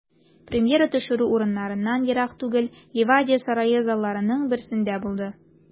Премьера төшерү урыныннан ерак түгел, Ливадия сарае залларының берсендә булды.